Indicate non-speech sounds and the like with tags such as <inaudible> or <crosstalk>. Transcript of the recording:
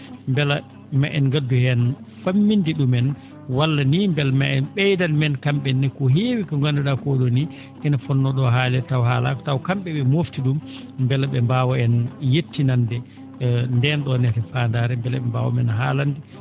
mbela ma en ngaddu heen faamminde ?umen walla ni mbela ma en ?eydan men kam?e ne ko heewi ko ngandu?aa ko ?oo nii ene fonnoo ?o haaleede taw haalaaka taw kam?e e?e moofti ?um mbela ?e mbaawa en yettinande <hesitation> ndeen ?oon faandare mbele ?e mbaawa men haalande